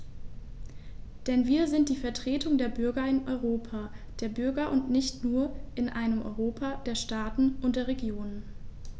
Denn wir sind die Vertreter der Bürger im Europa der Bürger und nicht nur in einem Europa der Staaten und der Regionen.